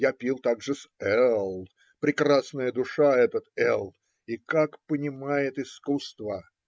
Я пил также с Л. Прекрасная душа этот Л. и как понимает искусство!